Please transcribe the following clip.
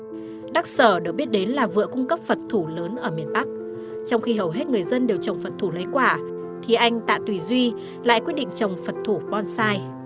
đắc sở được biết đến là vựa cung cấp phật thủ lớn ở miền bắc trong khi hầu hết người dân đều trồng phật thủ lấy quả thì anh tạ tùy duy lại quyết định trồng phật thủ bon sai